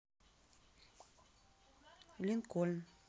линкольн